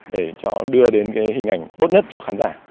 để cho đưa đến cái hình ảnh tốt nhất cho khán giả